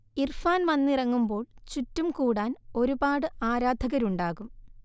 ഇർഫാൻ വന്നിറങ്ങുമ്പോൾ ചുറ്റും കൂടാൻ ഒരുപാട് ആരാധകരുണ്ടാകും